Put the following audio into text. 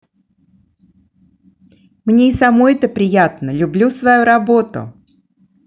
мне и самой это приятно люблю свою работу